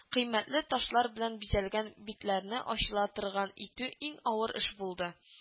Кыйммәтле ташлар белән бизәлгән битләрне ачыла торган итү иң авыр эш булды